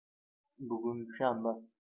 bugun dushanba